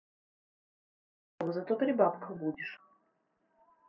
ну еще бы зато при бабках будешь